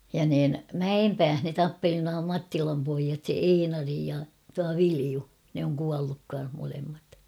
ja niin Mäenpäässä ne tappeli nuo Mattilan pojat Einari ja tuo Viljo ne on kuollut kanssa molemmat